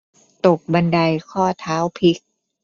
ตกบันไดข้อเท้าพลิก